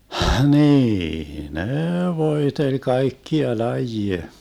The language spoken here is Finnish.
niin ne voiteli kaikkia lajeja